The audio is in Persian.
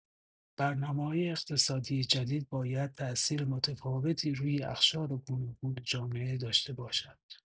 برنامه‌‌های اقتصادی جدید باید تأثیر متفاوتی روی اقشار گوناگون جامعه داشته باشد.